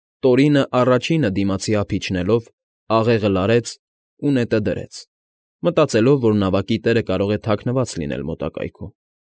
Տորինը, առաջինը դիմացի ափ իջնելով, աղեղը լարեց ու նետը դրեց, մտածելով, որ նավակի տերը կարող է թաքնված լինել մոտակայքում։